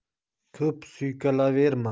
ko'p suykalaverma